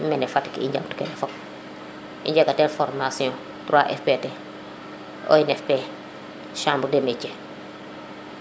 mene Fatick i njaŋtu kene fop i njega teen formation 3 fpt Efp chambre de métier